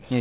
eyyi